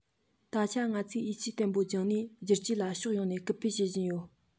ད ཆ ང ཚོས ཡིད ཆེས བརྟན པོ བཅངས ནས བསྒྱུར བཅོས ལ ཕྱོགས ཡོངས ནས སྐུལ སྤེལ བྱེད བཞིན ཡོད